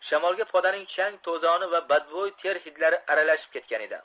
shamolga podaning chang to'zoni va badbo'y ter hidlari aralashib ketgan edi